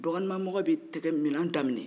dɔgɔnimamɔgɔ bɛ tɛgɛ mina da minɛ